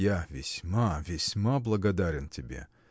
– Я весьма, весьма благодарен тебе.